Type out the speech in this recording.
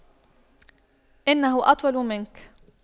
إنه أطول منك